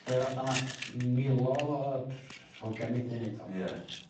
lle fasa 'na milodd o tr- tr- hogia methu neud o. Ie.